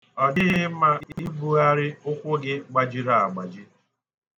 Ọ dịghị mma ibughari ụkwụ gị gbajiri agbaji.